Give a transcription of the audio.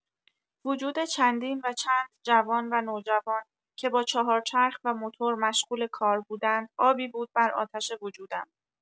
وجود چندین و چند جوان و نوجوان که با چهارچرخ و موتور مشغول کار بودند آبی بود بر آتش وجودم.